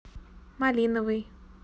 малиновый